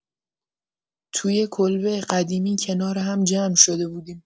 تو یه کلبه قدیمی کنار هم جمع شده بودیم.